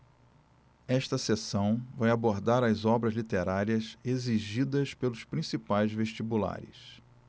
esta seção vai abordar as obras literárias exigidas pelos principais vestibulares